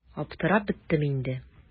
Аптырап беттем инде.